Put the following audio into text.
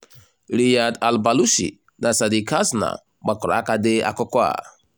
Riyadh Al Balushi na Sadeek Hasna gbakọrọ aka dee akụkọ a.